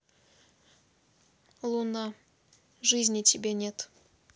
луна жизни тебе нет